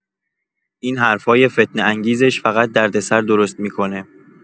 این حرفای فتنه‌انگیزش فقط دردسر درست می‌کنه.